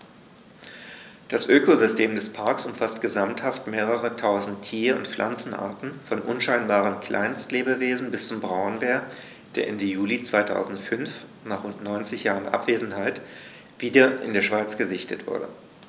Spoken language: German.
Das Ökosystem des Parks umfasst gesamthaft mehrere tausend Tier- und Pflanzenarten, von unscheinbaren Kleinstlebewesen bis zum Braunbär, der Ende Juli 2005, nach rund 90 Jahren Abwesenheit, wieder in der Schweiz gesichtet wurde.